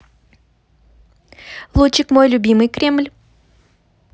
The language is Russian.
лучик мой любимый кремль